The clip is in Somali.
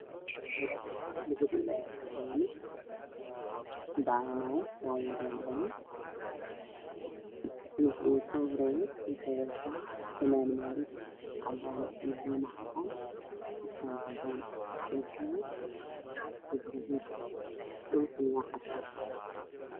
Meeshaan waa garoon waxaa joogo taageerayaal badan wiilka ugu soo horreeyo wuxuu wataa fanaanada maaliyad oo cadaan ah Dhulkuna waa Cagaar